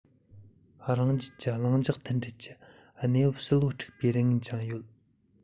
རང རྒྱལ གྱི ལྷིང འཇགས མཐུན སྒྲིལ གྱི གནས བབ ཧྲིལ པོ དཀྲུག པའི རེ ངན འཆང ཡོད